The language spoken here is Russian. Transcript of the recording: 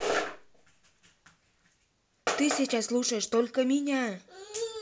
ты сейчас слушаешь только меня